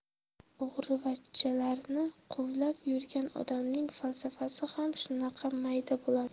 o'g'rivachchalarni quvlab yurgan odamning falsafasi ham shunaqa mayda bo'ladi